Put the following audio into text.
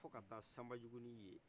fo ka taa sambajugunin ye